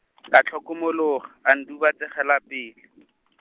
ka tlhokomologo, a udubatsegela pele .